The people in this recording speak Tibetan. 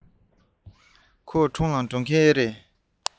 ཁོང ཁྲོམ ལ ཕེབས མཁན རེད པས